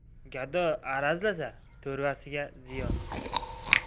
gado arazlasa to'rvasiga ziyon